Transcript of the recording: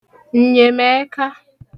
ǹnyèmẹ̀ẹka